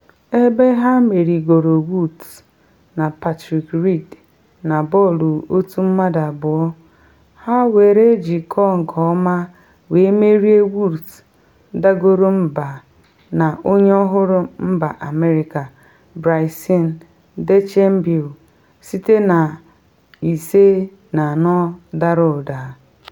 Ebe ha merigoro Woods na Patrick Reed na bọọlụ otu mmadụ abụọ, ha were jikọọ nke ọma were merie Woods dagoro mba na onye ọhụrụ mba America, Bryson Dechambeau site na 5&4 dara ụda.